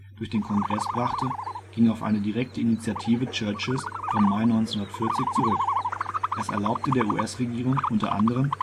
eine direkte Initiative Churchills vom Mai 1940 zurück. Es erlaubte der US-Regierung unter anderem